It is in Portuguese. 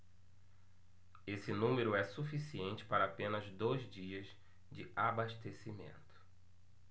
esse número é suficiente para apenas dois dias de abastecimento